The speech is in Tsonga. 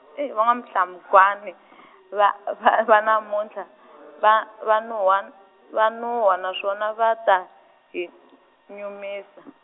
e va N'wa-hlamgwani , va va va namuntlha , va va nuhwan-, va nuhwa naswona va ta, hi nyumisa.